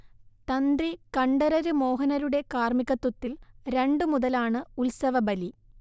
തന്ത്രി കണ്ഠരര് മോഹനരുടെ കാർമികത്വത്തിൽ രണ്ടുമുതലാണ് ഉത്സവബലി